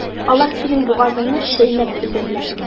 Алар синең бугазыңны чәйнәп өзәрләр.